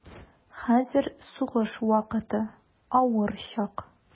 Хәзер сугыш вакыты, авыр чак.